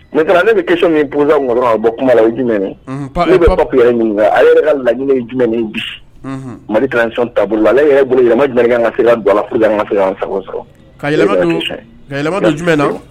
Maintenant ne bɛ question min posé a kun kasɔrɔ ka bɔ kuma na o ye jumɛn ye pa ne bɛ Pape yɛrɛ ɲininkan ale yɛrɛ ka laɲini ye jumɛn ye bi Mali transition taabolo la ale yɛrɛ bolo yɛlɛma kan ka se ka don a la pour que an ka se kan sago sɔrɔ ka yɛlɛma don jumɛn na